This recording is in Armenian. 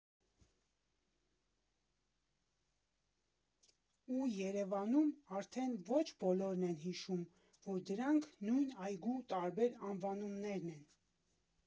Ու Երևանում արդեն ոչ բոլորն են հիշում, որ դրանք նույն այգու տարբեր անվանումներն են։